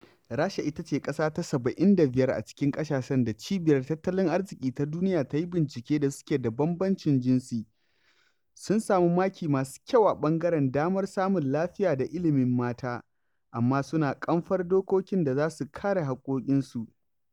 Rasha ita ce ƙasa ta 75 a cikin ƙasashen da Cibiyar Tattalin Arziƙi ta Duniya ta yi bincike da suke da bambancin jinsi, sun samu maki masu kyau a ɓangaren damar samun lafiya da ilimin mata, amma suna ƙamfar dokokin da za su kare haƙƙoƙinsu.